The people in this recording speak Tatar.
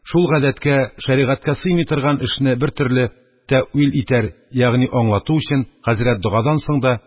Шул гадәткә, шәригатькә сыймый торган эшне бертөрле тәэвил итәр, ягъни аңлату өчен, хәзрәт догадан соң да: